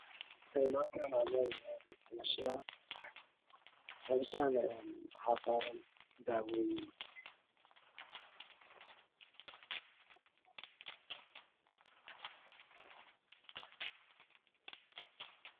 Waa kana meel farmashiya ah farmashiyaha waxa saara daawooyin